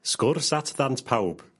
Sgwrs at ddant pawb